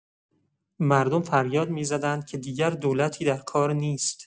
مردم فریاد می‌زدند که دیگر دولتی در کار نیست.